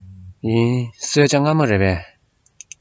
ཡིན གསོལ ཇ མངར མོ རེད པས